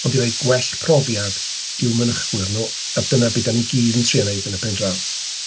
Ond i roi gwell profiad i'w mynychwyr nhw, a dyna beth dan ni gyd yn trio ei wneud yn y pen draw.